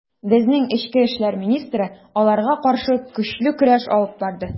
Безнең эчке эшләр министры аларга каршы көчле көрәш алып барды.